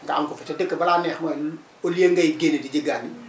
nga am ko fi te dëkk balaa neex mooy au lieu ngay génn di jéggaani